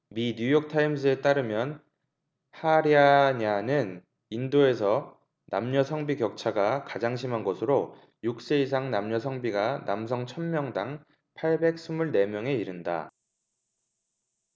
미 뉴욕타임스에 따르면 하랴냐는 인도에서 남녀 성비 격차가 가장 심한 곳으로 육 세 이상 남녀 성비가 남성 천 명당 팔백 스물 네 명에 이른다